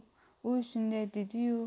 u shunday dedi yu